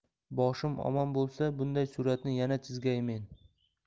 boshim omon bo'lsa bunday suratni yana chizgaymen